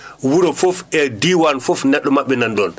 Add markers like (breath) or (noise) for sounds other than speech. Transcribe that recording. (breath) wuro fof e diwaan fof neɗɗo maɓɓe nan ɗoon